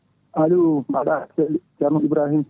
allo mbaɗɗa a selli ceerno Ibrahima